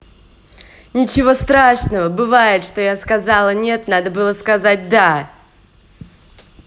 ничего страшного бывает что я сказала нет надо было сказать да